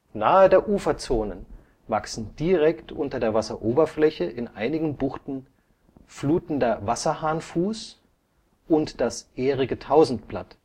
Nahe der Uferzonen wachsen direkt unter der Wasseroberfläche in einigen Buchten Flutender Wasserhahnenfuß und das Ähriges Tausendblatt